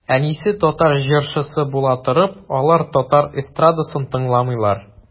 Әнисе татар җырчысы була торып, алар татар эстрадасын тыңламыйлар.